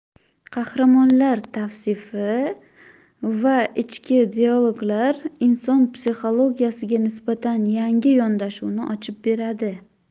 qahramonlar tavsifi va ichki dialoglar inson psixologiyasiga nisbatan yangi yondashuvni ochib beradi